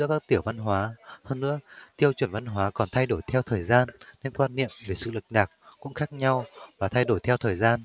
các tiểu văn hóa hơn nữa tiêu chuẩn văn hóa còn thay đổi theo thời gian nên quan niệm về sự lệch lạc cũng khác nhau và thay đổi theo thời gian